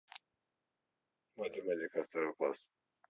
математика второй класс